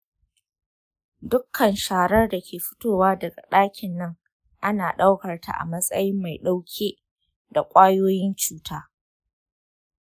dukkan sharar dake fitowa daga dakin nan ana daukar ta a matsayin mai dauke da kwayoyin cuta.